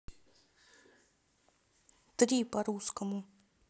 три по русскому